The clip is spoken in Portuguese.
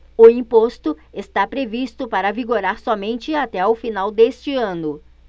o imposto está previsto para vigorar somente até o final deste ano